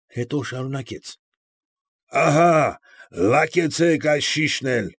Հետո շարունակեց. ֊ Ահա՛, լակեցեք այս շիշն էլ։